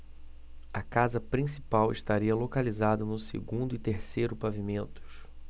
a casa principal estaria localizada no segundo e terceiro pavimentos